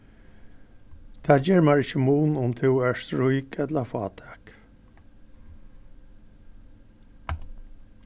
tað ger mær ikki mun um tú ert rík ella fátæk